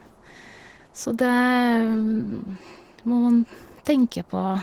Så det det må man tenke på.